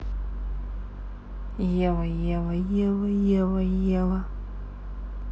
ева ева ева ева ева